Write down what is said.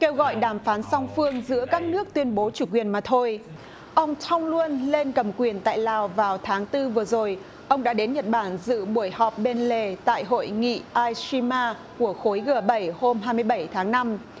kêu gọi đàm phán song phương giữa các nước tuyên bố chủ quyền mà thôi ông thoong luôn lên cầm quyền tại lào vào tháng tư vừa rồi ông đã đến nhật bản dự buổi họp bên lề tại hội nghị ai xi ma của khối gờ bảy hôm hai mươi bảy tháng năm